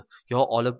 yo olib